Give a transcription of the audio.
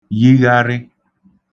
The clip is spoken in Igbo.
yigharị